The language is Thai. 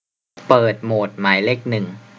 เปิดโหมดหมายเลขหนึ่ง